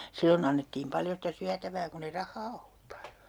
silloin annettiin paljon sitä syötävää kun ei rahaa ollut paljon